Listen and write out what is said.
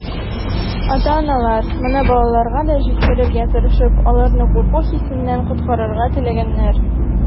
Ата-аналар, моны балаларга да җиткерергә тырышып, аларны курку хисеннән коткарырга теләгәннәр.